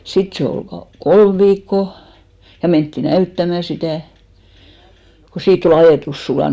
sitten se oli - kolme viikkoa ja mentiin näyttämään sitä kun siitä oli ajetus sulanut